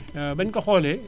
bañu ko xoolee